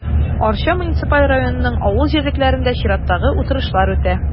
Арча муниципаль районының авыл җирлекләрендә чираттагы утырышлар үтә.